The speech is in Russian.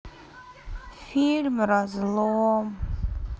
фильм разлом